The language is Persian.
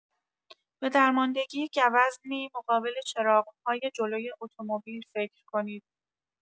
به درماندگی گوزنی مقابل چراغ‌های جلوی اتومبیل فکر کنید.